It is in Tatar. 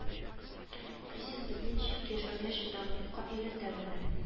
Кризис безне ничек яшәргә чыдамлыкка өйрәтә генә